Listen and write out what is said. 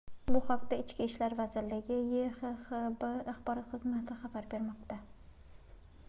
bu haqda ichki ishlar vazirligi yhxbb axborot xizmati xabar bermoqda